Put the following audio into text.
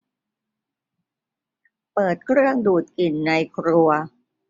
เปิดเครื่องดูดกลิ่นในครัว